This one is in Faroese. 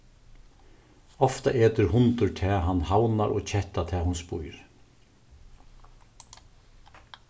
ofta etur hundur tað hann havnar og ketta tað hon spýr